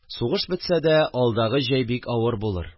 Сугыш бетсә дә, алдагы җәй бик авыр булыр